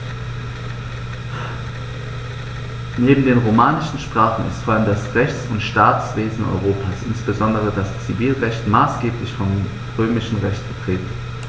Neben den romanischen Sprachen ist vor allem das Rechts- und Staatswesen Europas, insbesondere das Zivilrecht, maßgeblich vom Römischen Recht geprägt.